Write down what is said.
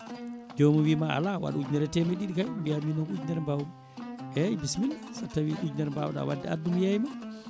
jomum wiima ala ujunere e temedde ɗiɗi kayi mbiya ɗum non ko ujunere mbawmi eyyi bisimilla so tawi ɗin gana mbawɗa wadde addu mi yeyma